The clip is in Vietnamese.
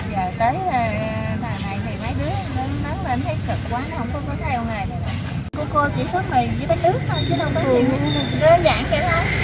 giờ tới đời này thì mấy đứa nó lớn lên thấy nghề này cực quá nó không theo nghề này nữa chỗ cô chỉ có mì và bánh ướt vậy thôi